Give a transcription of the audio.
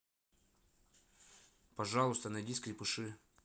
пожалуйста найди скрепыши